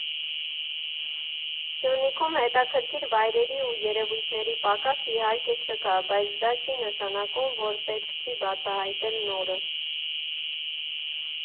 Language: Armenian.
Սյունիքում հետաքրքիր վայրերի ու երևույթների պակաս, իհարկե, չկա, բայց դա չի նշանակում, որ պետք չէ բացահայտել նորը։